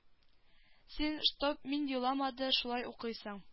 Син чтоб мин еламады шулай укыйсың